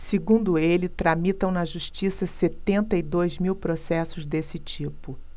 segundo ele tramitam na justiça setenta e dois mil processos desse tipo